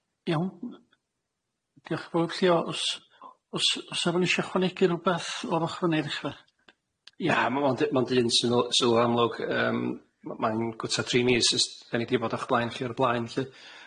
Iawn. Dioch bawb lly os- os- osa rwyn isio ychwanegu rwbath oddor yna i ddechra? Ia ma' ma'n d- ma'n d- un sylw sylw amlwg yym m- ma'n gwta tri mis ers dan ni di bod a'ch blaen chi ar y blaen lly.